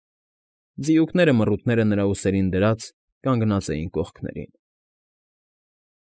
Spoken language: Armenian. Ձիուկները, մռութները նրա ուսերին դրած, կանգնել էին կողքերին։ ֊